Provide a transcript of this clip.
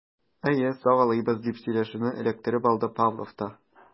Әйе, сагалыйбыз, - дип сөйләшүне эләктереп алды Павлов та.